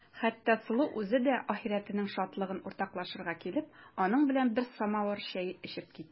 Хәтта Сылу үзе дә ахирәтенең шатлыгын уртаклашырга килеп, аның белән бер самавыр чәй эчеп китте.